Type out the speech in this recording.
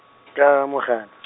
ka mogala .